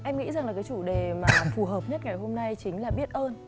em nghĩ rằng là cái chủ đề mà phù hợp nhất ngày hôm nay chính là biết ơn